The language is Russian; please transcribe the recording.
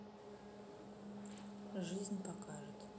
жизнь покажет